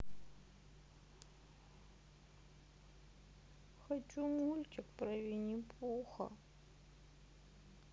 хочу мультик про винни пуха